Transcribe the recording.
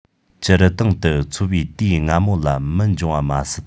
སྤྱིར བཏང དུ འཚོ བའི དུས སྔ མོ ལ མི འབྱུང བ མ ཟད